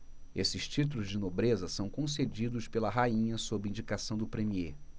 esses títulos de nobreza são concedidos pela rainha sob indicação do premiê